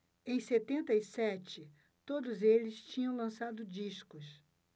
em setenta e sete todos eles tinham lançado discos